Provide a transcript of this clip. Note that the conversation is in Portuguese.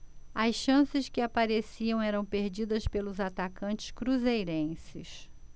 as chances que apareciam eram perdidas pelos atacantes cruzeirenses